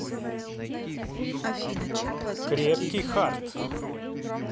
крепкий харт